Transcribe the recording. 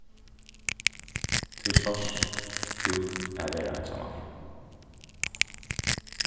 tú sást út at vera einsamallur